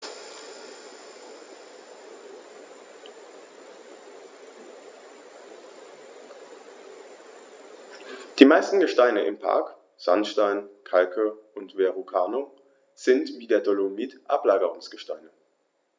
Die meisten Gesteine im Park – Sandsteine, Kalke und Verrucano – sind wie der Dolomit Ablagerungsgesteine.